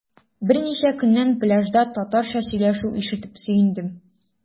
Берничә көннән пляжда татарча сөйләшү ишетеп сөендем.